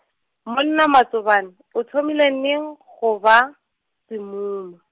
monna Matsobane, o thomile neng go ba, semuma?